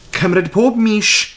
Cymryd pob mis...